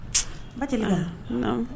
Ba deli